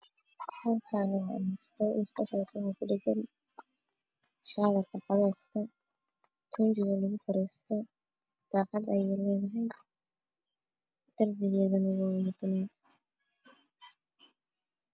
Waa musqul waxay leedahay shawar lagu qabeysto tuunji cad ayay leedahay darbiga wacdaan